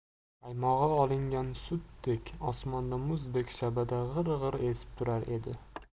qaymog'i olingan sutdek osmonda muzdek shabada g'ir g'ir esib turar edi